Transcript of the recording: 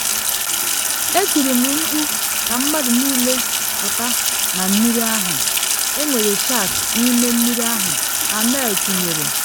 “Etiri m mkpu ka mmadụ niile pụta na mmiri ahụ: ‘Enwere shark n’ime mmiri ahụ!”” Hammel tinyere.